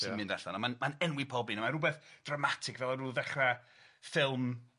Ia. Sy'n mynd allan a ma'n ma'n enwi pob un a mae rwbeth dramatig fel o'n nw ar ddechre ffilm